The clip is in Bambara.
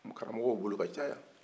a tunbɛ karamɔgɔw bolo ka caaya